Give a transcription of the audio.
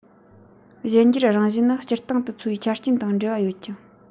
གཞན འགྱུར རང བཞིན ནི སྤྱིར བཏང ཏུ འཚོ བའི ཆ རྐྱེན དང འབྲེལ བ ཡོད ཀྱང